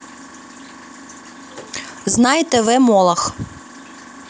знай тв молох